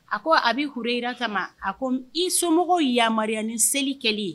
A ko a bɛi kur jirara kama a ko i somɔgɔw yamaruya ni seli kɛ